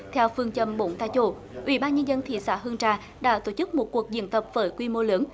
theo phương châm bốn tại chỗ ủy ban nhân dân thị xã hương trà đã tổ chức một cuộc diễn tập với quy mô lớn